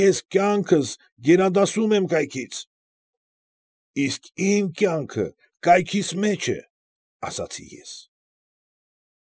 Ես կյանքս գերադասում եմ կայքից։ ֊ Իսկ իմ կյանքը կայքիս մեջ է,֊ ասացի ես։